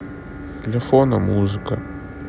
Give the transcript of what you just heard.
для фона музыка